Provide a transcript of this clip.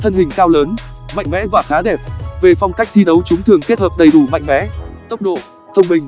thân hình cao lớn mạnh mẽ và khá đẹp về phong cách thi đấu chúng thường kết hợp đầy đủ mạnh mẽ tốc độ thông minh